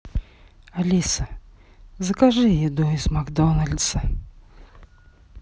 алиса закажи еду из макдональдса